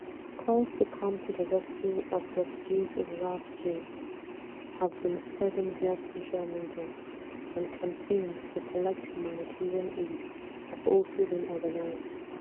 Calls to come to the rescue of refugees in Ras Jdir have been spreading via social media, and campaigns to collect humanitarian aid have also been organised.